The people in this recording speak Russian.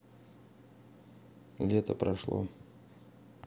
лето прошло